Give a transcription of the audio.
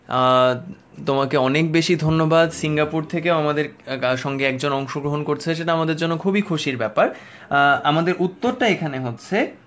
তোমাকে অনেক বেশি ধন্যবাদ সিঙ্গাপুর থেকেও আমাদের সঙ্গে অংশগ্রহণ করছে সেটা আমাদের জন্য খুবই খুশির ব্যাপার আমাদের উত্তরটা এখানে হচ্ছে